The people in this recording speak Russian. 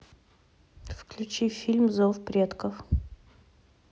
включи фильм зов предков